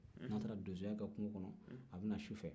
n'a taara donsoya kɛ kungo kɔnɔ a bɛ na su fɛ